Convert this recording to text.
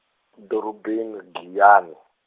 dorobeni Giyani.